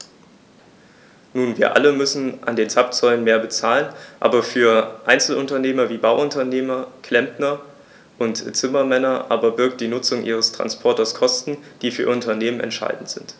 Nun wir alle müssen an den Zapfsäulen mehr bezahlen, aber für Einzelunternehmer wie Bauunternehmer, Klempner und Zimmermänner aber birgt die Nutzung ihres Transporters Kosten, die für ihr Unternehmen entscheidend sind.